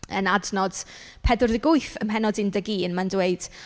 Yn adnod pedwardeg wyth ym mhennod undeg un mae'n dweud...